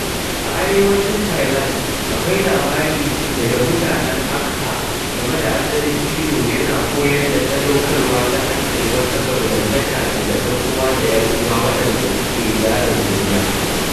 A arewacin Thailand, akwai labari daga mutanen Akha game da asalin lilo yana koyar da sadaukarwa ta hanyar wata gwarzantakar wani ɗan'uwa da 'yar'uwa waɗanda suka gyara duniya.